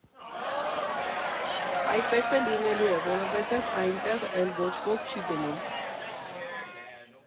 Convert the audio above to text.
Այդպես էլ լինելու է, որովհետև այնտեղ էլ ոչ ոք չի գնում։